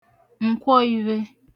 ǹkwọ ivhe